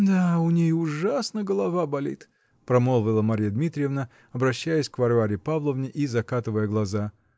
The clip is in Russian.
-- Да, у ней ужасно голова болит, -- промолвила Марья Дмитриевна, обращаясь к Варваре Павловне и закатывая глаза.